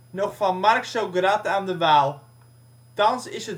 nog van ' Marxograd aan de Waal '. Thans is